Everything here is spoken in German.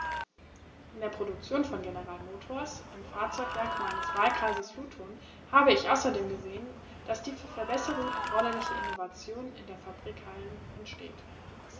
In der Produktion von General Motors, im Fahrzeugwerk meines Wahlkreises Luton, habe ich außerdem gesehen, dass die für Verbesserungen erforderliche Innovation in den Fabrikhallen entsteht.